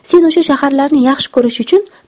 sen o'sha shaharlarni yaxshi ko'rish uchun